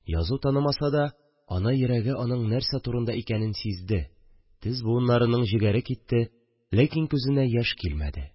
Язу танымаса да, ана йөрәге аның нәрсә турында икәнен сизде, тез буыннарының җегәре китте, ләкин күзенә яшь килмәде